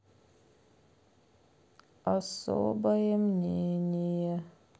особое мнение